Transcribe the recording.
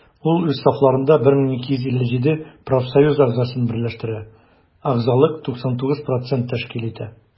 Ул үз сафларында 1257 профсоюз әгъзасын берләштерә, әгъзалык 99 % тәшкил итә.